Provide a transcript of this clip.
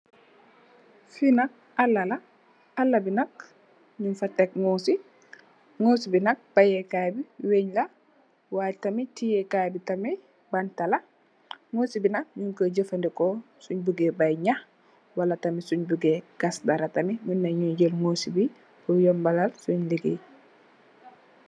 Fi nak aala la nyu fa tek ngusi ngusi bi nak beye kai be wen la way tamit tiyeh kai bi tamit wen la ngusi bi nak nyun koi jefendeko sung buge beey nhaax wala suun buge gass dara tamit mung ne nyu jel ngusi pul yombal sun legaye.